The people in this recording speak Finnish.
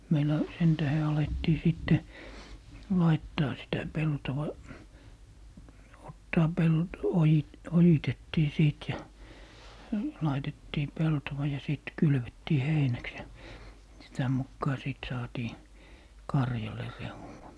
meillä sen tähden alettiin sitten laittaa sitä peltoa ottaa ojitettiin sitten ja laitettiin peltoa ja sitten kylvettiin heinäksi ja sitä mukaa sitten saatiin karjalle rehua